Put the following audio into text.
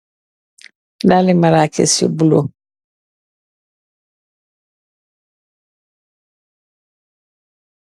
daali marakees yu bulo